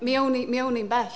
Mi awn ni mi awn ni'n bell.